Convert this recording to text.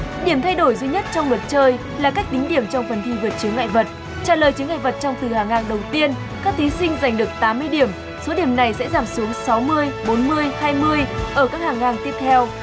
điểm thay đổi duy nhất trong luật chơi là cách tính điểm trong phần thi vượt chướng ngại vật trả lời chướng ngại vật trong từ hàng ngàn đầu tiên các thí sinh giành được tám mươi điểm số điểm này sẽ giảm xuống sáu mươi bốn mươi hai mươi ở các hàng ngàng tiếp theo